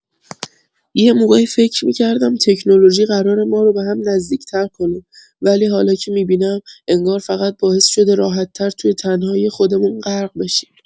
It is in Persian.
یه موقعی فکر می‌کردم تکنولوژی قراره ما رو به هم نزدیک‌تر کنه، ولی حالا که می‌بینم، انگار فقط باعث شده راحت‌تر توی تنهایی خودمون غرق بشیم.